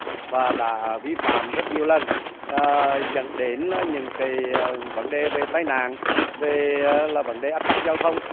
và đã vi phạm rất nhiều lần dẫn đến là những kỳ vấn đề về tai nạn về vấn đề ách tắc giao thông